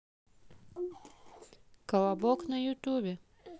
колобок на ютубе